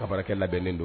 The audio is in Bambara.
Ka baarakɛla bɛnnen don